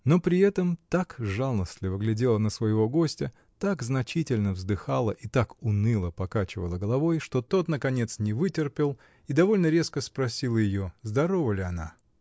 но при этом так жалостливо глядела на своего гостя, так значительно вздыхала и так уныло покачивала головой, что тот, наконец, не вытерпел и довольно резко опросил ее: здорова ли она?